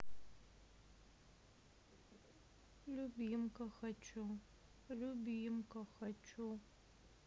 любимка хочу любимка хочу